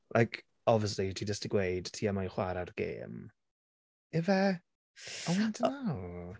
Like obviously ti jyst 'di gweud ti yma i chwarae'r gêm. Ife? Oh I dunno.